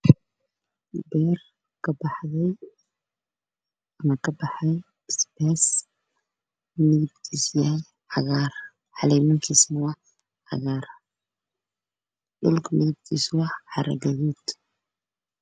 Waa beer uu ka baxaayo basbaas